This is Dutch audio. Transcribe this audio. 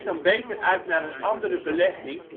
beter uit naar een andere belegging